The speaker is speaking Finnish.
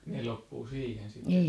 ne loppui siihen sitten